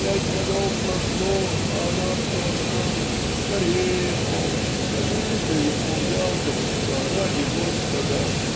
пять годов прошло, а она все одна! Стареет, мол!. скажи ты ему, Яковушка. ради Господа.